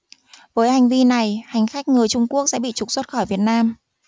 với hành vi này hành khách người trung quốc sẽ bị trục xuất khỏi việt nam